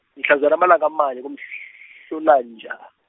mhlazana amalanga amane, kuMh- -hlolanja.